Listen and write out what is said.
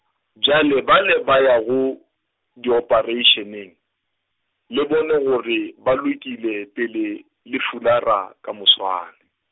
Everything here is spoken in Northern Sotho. bjale bale ba yago, diopareišeneng, le bone gore, ba lokile pele, le fulara ka moswane.